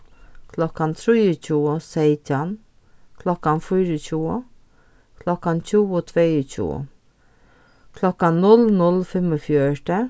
klokkan trýogtjúgu seytjan klokkan fýraogtjúgu klokkan tjúgu tveyogtjúgu klokkan null null fimmogfjøruti